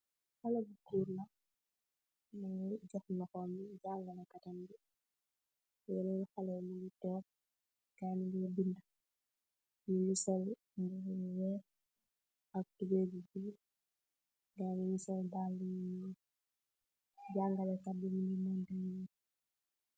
Xaleh bu goor la mogi goh loxom bi jangalekatambi yeneel xale nyu gi tog gayi byu geh binda nyugi sol yereh yu weex ak tubai bu nuul gayi nyu gi so daala yu nuul djangalekat bi mogi melni.